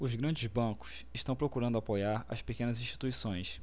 os grandes bancos estão procurando apoiar as pequenas instituições